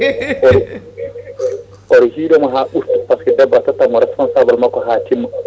oto jidomo ha ɓurta par ce que debbo a tottanmo responsable makko ha timma